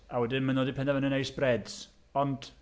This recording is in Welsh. A wedyn maen nhw 'di penderfynu wneud spreads, ond...